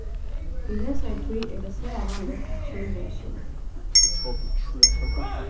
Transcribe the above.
í hesari tíð er tað sera vanligt at hjún verða skild